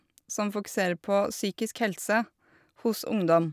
Som fokuserer på psykisk helse hos ungdom.